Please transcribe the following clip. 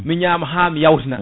mi ñama hami yawtina